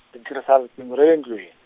ni tirhisa riqingo ra le ndlwini.